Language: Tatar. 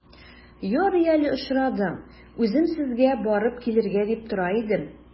Ярый әле очрадың, үзем сезгә барып килергә дип тора идем.